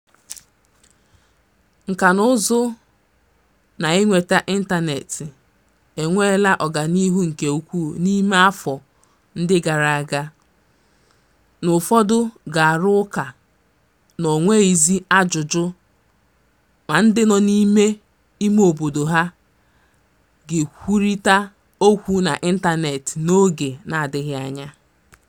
Nkànaụzụ na ịnweta ịntaneetị enweela ọganihu nke ukwuu n'ime afọ ndị gara aga, na ụfọdụ ga-arụ ụka na o nweghịzi ajụjụ ma ndị nọ n'ime imeobodo hà ga-ekwurịta okwu n'ịntanetị n'oge n'adịghị anya.